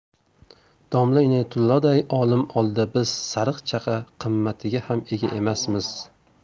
domla inoyatulloday olim oldida biz sariq chaqa qimmatiga ham ega emasmiz